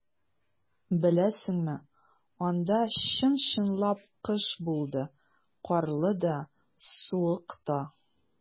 Беләсеңме, анда чын-чынлап кыш булды - карлы да, суык та.